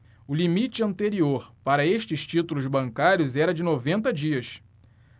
o limite anterior para estes títulos bancários era de noventa dias